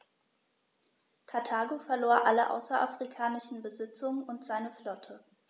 Karthago verlor alle außerafrikanischen Besitzungen und seine Flotte.